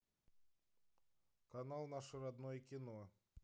канал наше родное кино